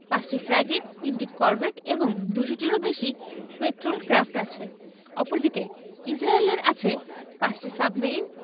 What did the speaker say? ৫টি ফ্র্যাগেট ৩টি করভেট এবং ২০০ টিরও বেশি পেট্রল ক্র্যাফট আছে অপরদিকে ইসরায়েলের আছে ৫টি সাবমেরিন